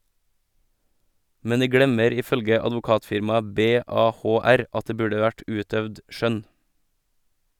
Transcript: Men de glemmer, ifølge advokatfirmaet BA-HR, at det burde vært utøvd skjønn.